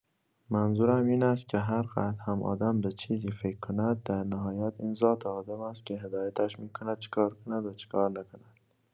منظورم این است که هرقدر هم آدم به چیزی فکر کند، در نهایت این ذات آدم است که هدایتش می‌کند چه‌کار کند و چه‌کار نکند.